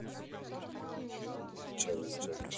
чайник чай